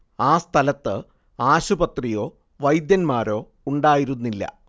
ആ സ്ഥലത്ത് ആശുപത്രിയോ വൈദ്യന്മാരോ ഉണ്ടായിരുന്നില്ല